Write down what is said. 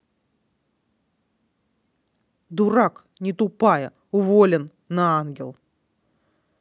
дурак не тупая уволен на ангел